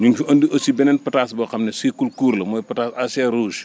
ñu ngi fi andi aussi :dfra beneen pataas boo xam ne cycle court la mooy pataas à chair rouge